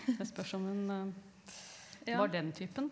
det spørs om hun var den typen.